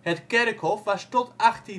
Het kerkhof was tot 1830